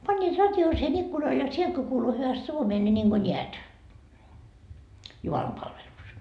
panivat radion siihen ikkunalle ja sieltä kun kuului hyvästi suomea niin niin kuin näet jumalanpalvelus